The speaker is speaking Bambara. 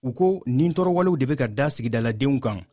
o kɔ nitɔɔrɔ walew de bɛ ka da sigidaladenw kan